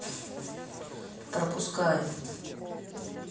пропускаю